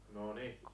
no niin